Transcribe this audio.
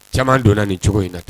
Caman donna nin cogo in na tan.